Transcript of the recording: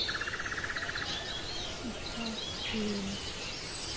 этаж семь